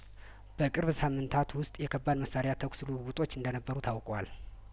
በቅርብ ሳምንታት ውስጥ የከባድ መሳሪያ ተኩስ ልውውጦች እንደነበሩ ታውቋል